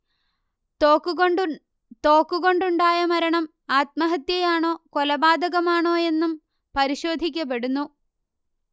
തോക്കുകൊണ്ടുണ്ടായ മരണം ആത്മഹത്യയാണോ കൊലപാതകമാണോ എന്നും പരിശോധിക്കപ്പെടുന്നു